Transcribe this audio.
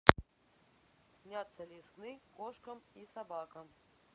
снятся ли сны кошкам и собакам